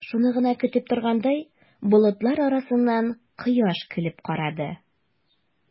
Шуны гына көтеп торгандай, болытлар арасыннан кояш көлеп карады.